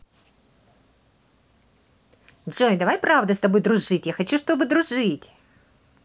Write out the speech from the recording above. джой давай правда с тобой дружить я хочу чтобы дружить